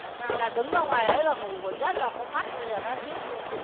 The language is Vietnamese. tại sao là đứng ở ngoài đấy là ngủ rất là con mắt bây giờ nó híp luôn